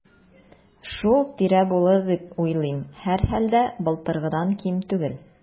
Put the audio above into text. Шул тирә булыр дип уйлыйм, һәрхәлдә, былтыргыдан ким түгел.